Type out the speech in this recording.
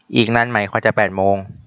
อีกนานไหมกว่าจะแปดโมง